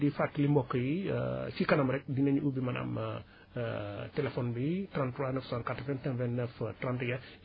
di fàttali mbokk yi ci kanam rekk dinañ ubbi maanaam téléphone bi 33 991 29 31